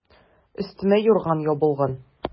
Өстемә юрган ябылган.